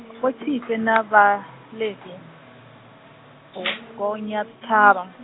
Vho Tshifhe na Vhaḽevi, go gonya ṱhavha.